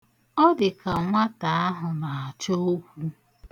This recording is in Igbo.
Ọ dịka nwata ahụ na-achọ okwu.